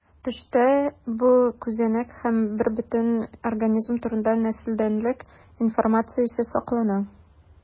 Төштә бу күзәнәк һәм бербөтен организм турында нәселдәнлек информациясе саклана.